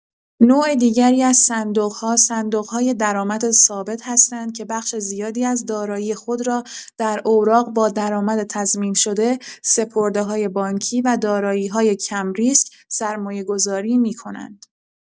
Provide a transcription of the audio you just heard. نوع دیگری از صندوق‌ها صندوق‌های درآمد ثابت هستند که بخش زیادی از دارایی خود را در اوراق با درآمد تضمین‌شده، سپرده‌های بانکی و دارایی‌های کم‌ریسک سرمایه‌گذاری می‌کنند.